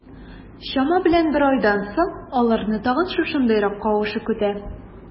Чама белән бер айдан соң, аларны тагын шушындыйрак кавышу көтә.